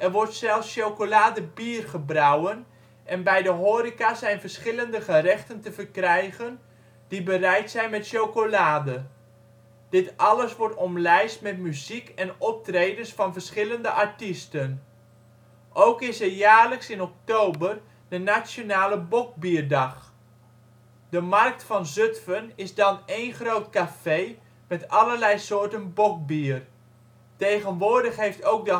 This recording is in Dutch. wordt zelfs chocolade-bier gebrouwen en bij de horeca zijn verschillende gerechten te verkrijgen die bereid zijn met chocolade. Dit alles wordt omlijst met muziek en optredens van verschillende artiesten. Ook is er jaarlijks in oktober de nationale bokbierdag. De markt van Zutphen is dan één groot café met allerlei soorten bokbier. Tegenwoordig heeft ook de